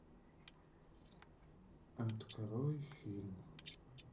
открой фильм